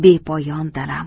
bepoyon dalam